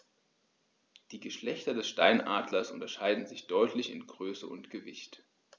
Die Geschlechter des Steinadlers unterscheiden sich deutlich in Größe und Gewicht.